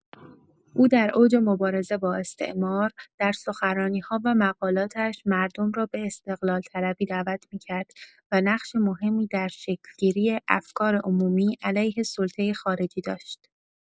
او در اوج مبارزه با استعمار، در سخنرانی‌‌ها و مقالاتش مردم را به استقلال‌طلبی دعوت می‌کرد و نقشی مهم در شکل‌گیری افکار عمومی علیه سلطه خارجی داشت.